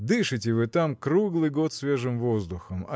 Дышите вы там круглый год свежим воздухом